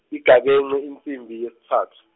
Igabence insimbi yesitsatfu.